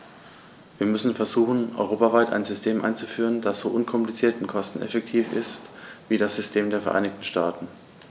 Wir müssen versuchen, europaweit ein System einzuführen, das so unkompliziert und kosteneffektiv ist wie das System der Vereinigten Staaten.